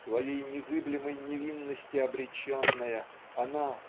своей незыблемой невинности обреченная она